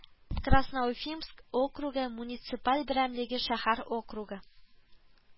Красноуфимск округы муниципаль берәмлеге шәһәр округы